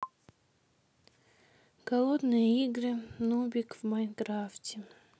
голодные игры нубик в майнкрафте